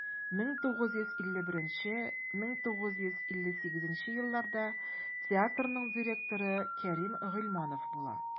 1951-1958 елларда театрның директоры кәрим гыйльманов була.